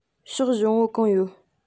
ཕྱོགས བཞི བོ གང ཡོད